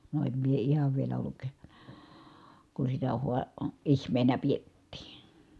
no en minä ihan vielä ollut kun sitä - ihmeenä pidettiin